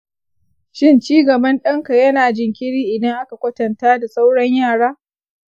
shin cigaban ɗanka yana jinkiri idan aka kwatanta da sauran yara?